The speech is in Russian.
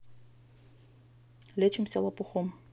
лечимся лопухом